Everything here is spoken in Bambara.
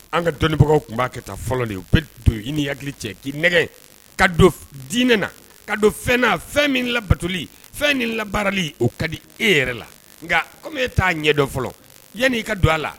An ka dɔnniibagaw tun b'a ka taa fɔlɔ de o bɛ don i ni hakili cɛ k'i nɛgɛ ka don dinɛ na ka don fɛn na fɛn min la batoli fɛn min labaarali o ka di e yɛrɛ la, nka comme e taa a ɲɛ dɔn fɔlɔ, yan'i ka don a la